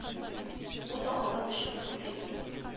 Бу да алар өчен зур әйбер